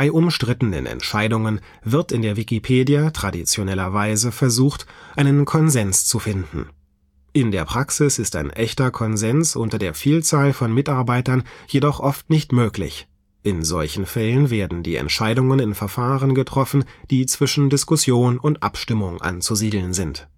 umstrittenen Entscheidungen wird in der Wikipedia traditionellerweise versucht, einen Konsens zu finden. In der Praxis ist ein echter Konsens unter der Vielzahl von Mitarbeitern jedoch oft nicht möglich. In solchen Fällen werden die Entscheidungen in Verfahren getroffen, die zwischen Diskussion und Abstimmung anzusiedeln sind